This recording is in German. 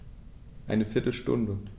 Eine viertel Stunde